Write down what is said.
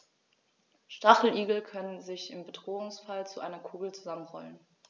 Stacheligel können sich im Bedrohungsfall zu einer Kugel zusammenrollen.